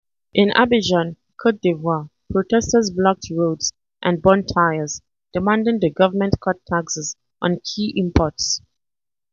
In Abidjan, Cote d’Ivoire, protesters blocked roads and burned tires, demanding the government cut taxes on key imports.